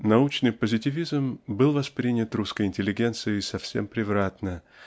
Научный позитивизм был воспринят русской интеллигенцией совсем превратно